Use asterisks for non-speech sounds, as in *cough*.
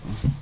*hesitation* *hesitation*